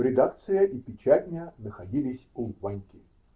Редакция и печатня находились у Ваньки.